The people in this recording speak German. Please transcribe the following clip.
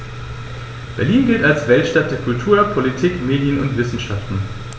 Berlin gilt als Weltstadt der Kultur, Politik, Medien und Wissenschaften.